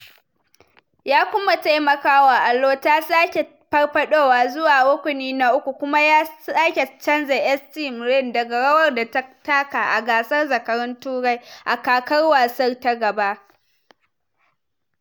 Ya kuma taimakawa Alloa ta sake farfadowa zuwa rukuni na uku, kuma ya sake canza St Mirren daga rawar da ta taka a gasar zakarun Turai a kakar wasa ta gaba.